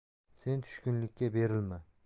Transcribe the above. sen tushkunlikka berilma